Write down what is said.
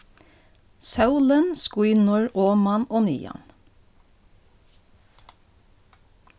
sólin skínur oman og niðan